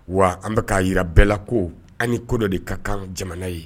Wa an bɛka k'a jira bɛɛla ko an ni ko bɛɛ de ka kan jamana ye.